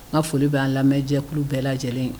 Nka foli bɛ'an lamɛjɛkulu bɛɛ lajɛlen ye